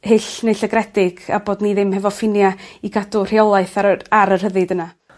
hyll neu llygredig a bod ni ddim hefo ffinia' i gadw rheolaeth ar y ar y rhyddid yna.